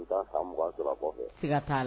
'